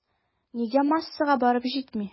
Нигә массага барып җитми?